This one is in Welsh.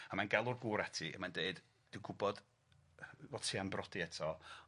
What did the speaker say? a mae'n galw'r gŵr ati, a mae'n deud, dwi'n gwybod bo' ti am br'odi eto